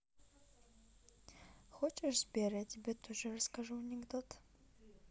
хочешь сбер я тебе тоже расскажу анекдот